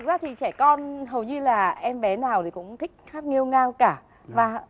ra thì trẻ con hầu như là em bé nào cũng thích hát nghêu ngao cả và